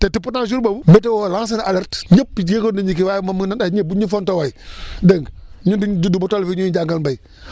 te te pourtant jour boobu météo lancé na alerte ñëpp yëgoon nañ ni que waaye moom mu ne waay ñii bu ñu ñu fontoo waay dégg nga ñun dinañ juddu ba toll fii ñu ñuy jàngal mbéy